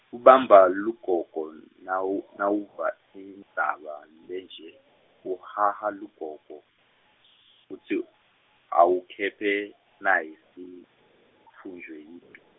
kubamba lugogo, nawu- nawuva indzaba lenje, kuhaha lugogo, kutsi, awukhephe, nayi sitfunjwe yi- .